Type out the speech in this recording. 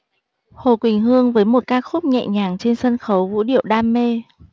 hồ quỳnh hương với một ca khúc nhẹ nhàng trên sân khấu vũ điệu đam mê